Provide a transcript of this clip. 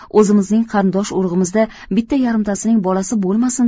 o'zimizning qarindosh urug'imizda bitta yarimtasining bolasi bo'lmasin